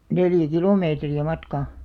neljä kilometriä matkaa